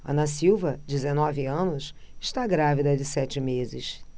ana silva dezenove anos está grávida de sete meses